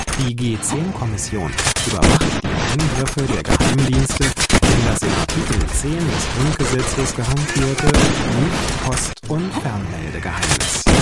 Die G 10-Kommission überwacht die Eingriffe der Geheimdienste in die in Art. 10 GG garantierten Geheimnisse Brief -, Post - und Fernmeldegeheimnis